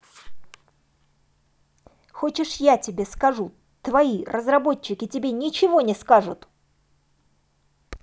хочешь я тебе скажут твои разработчики тебе ничего не скажут